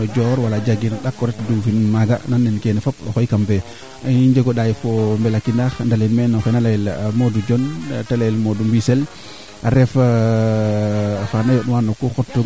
maaga nu ngoox kaa parce que kaaga ka jeg kaate fiya no laŋ kaa a jeg kaate fiya qola xa den bo tax andaame kaaga tax'e de mbi'in wala pour ;fra ma cegel ke ñoowtaa ndaa ana jega o njiriñ pour o xoyiida ngaan mbaan faa ana jegaa solo lool